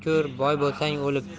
ko'r boy bo'lsang o'lib